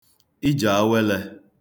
ije awele